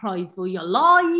rhoid mwy o loi.